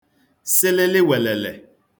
sịlịlịwèlèlè